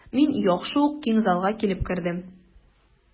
Мин яхшы ук киң залга килеп кердем.